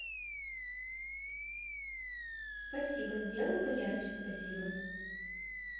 спасибо сделай поярче спасибо